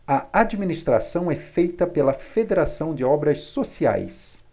a administração é feita pela fos federação de obras sociais